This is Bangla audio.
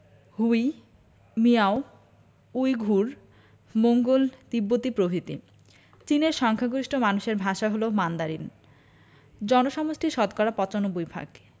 হুই মিয়াও উইঘুর মোঙ্গল তিব্বতি প্রভৃতি চীনের সংখ্যাগরিষ্ঠ মানুষের ভাষা হলো মান্দারিন জনসমষ্টির শতকরা ৯৫ ভাগ